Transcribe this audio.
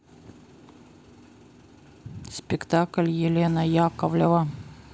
спектакль елена яковлева